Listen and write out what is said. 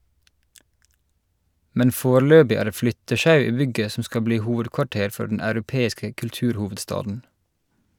Men foreløbig er det flyttesjau i bygget som skal bli hovedkvarter for den europeiske kulturhovedstaden.